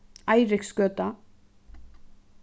eiriksgøta